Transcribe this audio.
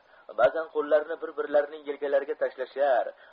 ba'zan qo'llarini bir birlarining yelkalariga tashlashar